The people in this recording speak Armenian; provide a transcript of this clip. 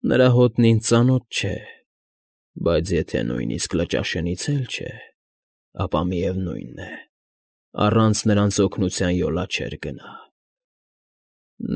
Նրա հոտն ինձ ծանոթ չէ, բայց եթե նույնիսկ Լճաշենից էլ չէ, ապա, միևնույն է, առանց նրանց օգնության յոլա չէր գնա։